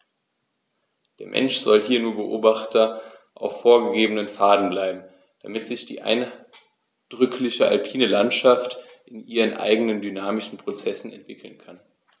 Der Mensch soll hier nur Beobachter auf vorgegebenen Pfaden bleiben, damit sich die eindrückliche alpine Landschaft in ihren eigenen dynamischen Prozessen entwickeln kann.